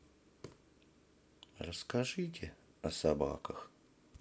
расскажите о собаках